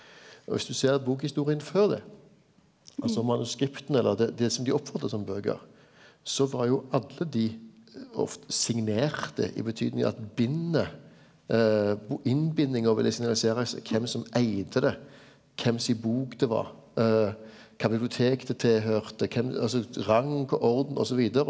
og viss du ser bokhistoria før det altså manuskripta eller det det som dei oppfattar som bøker så var jo alle dei signerte i betydning at binde innbindinga ville signalisere kven som eigde det kven si bok det var kva bibliotek det tilhøyrde kven altså rang orden og så vidare.